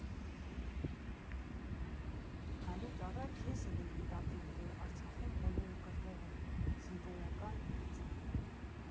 Գալուց առաջ ես էլ էի մտածում, որ Արցախում բոլորը կռվող են, զինվորական ի ծնե։